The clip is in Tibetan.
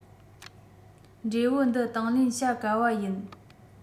འབྲས བུ འདི དང ལེན བྱ དཀའ བ ཡིན